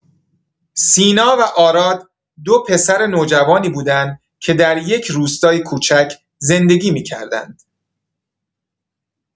سینا و آراد دو پسر نوجوانی بودند که در یک روستای کوچک زندگی می‌کردند.